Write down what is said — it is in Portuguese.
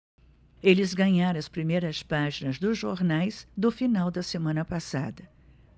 eles ganharam as primeiras páginas dos jornais do final da semana passada